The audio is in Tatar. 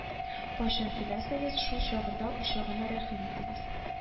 Кайчан теләсәгез шул чагында учагыма рәхим итегез